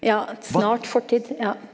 ja, snart fortid ja.